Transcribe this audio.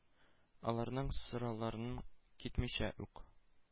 Аларның сорауларын көтмичә үк,